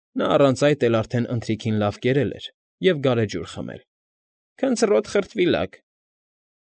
Նա առանց այդ էլ արդեն ընթրիքին լավ կերել էր ու գարեջուր խմել։ ֊ Քնձռոտ խրտվիլակ։